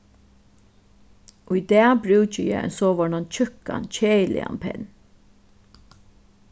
í dag brúki eg ein sovorðnan tjúkkan keðiligan penn